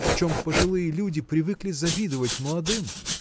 в чем пожилые люди привыкли завидовать молодым.